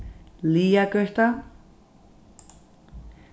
liðagøta